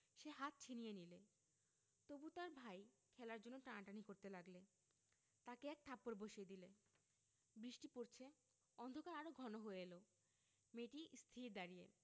সে হাত ছিনিয়ে নিলে তবু তার ভাই খেলার জন্যে টানাটানি করতে লাগলে তাকে এক থাপ্পড় বসিয়ে দিলে বৃষ্টি পরছে অন্ধকার আরো ঘন হয়ে এল মেয়েটি স্থির দাঁড়িয়ে